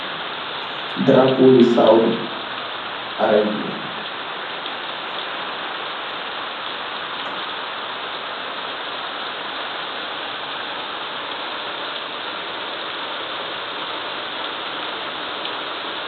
Drapeau wii saudi Arabia.